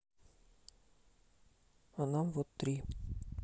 а нам вот три